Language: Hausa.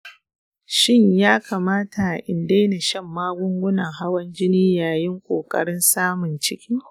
shin ya kamata in daina shan magungunan hawan jini yayin ƙoƙarin samun ciki?